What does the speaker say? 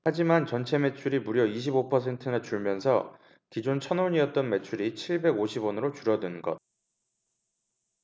하지만 전체 매출이 무려 이십 오 퍼센트나 줄면서 기존 천 원이었던 매출이 칠백 오십 원으로 줄어든 것